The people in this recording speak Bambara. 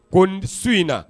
Ko n su in na